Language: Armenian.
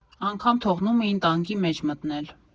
Անգամ թողնում էին տանկի մեջ մտնել։